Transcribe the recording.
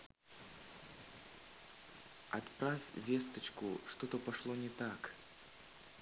отправь весточку что то пошло не так